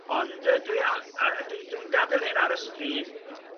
Ond y dwi am dw- dw- dwi dwi'n gadael hyn ar y sgrin